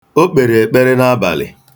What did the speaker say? O kpere ekpere n'abalị.